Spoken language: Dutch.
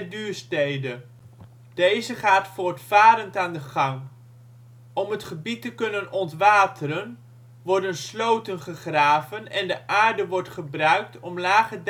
Duurstede. Deze gaat voortvarend aan de gang. Om het gebied te kunnen ontwateren worden sloten gegraven en de aarde wordt gebruikt om (lage